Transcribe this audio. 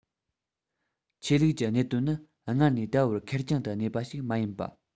ཆོས ལུགས ཀྱི གནད དོན ནི སྔར ནས ད བར ཁེར རྐྱང དུ གནས པ ཞིག མ ཡིན པ